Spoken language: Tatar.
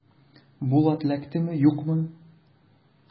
Булат эләктеме, юкмы?